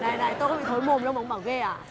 này này tôi có bị thối mồm đâu mà ông bảo ghê à